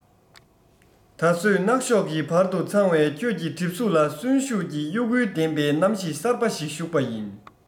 ད བཟོད སྣག ཤོག གི བར དུ འཚང བའི ཁྱོད ཀྱི གྲིབ གཟུགས ལ གསོན ཤུགས ཀྱི གཡོ འགུལ ལྡན པའི རྣམ ཤེས གསར པ ཞིག ཞུགས པ ཡིན